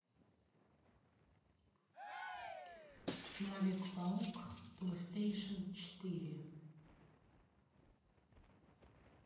человек паук плейстейшн четыре